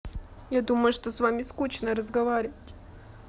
я думаю что с вами скучно разговаривать